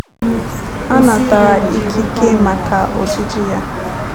A natara ikike maka ojiji ya.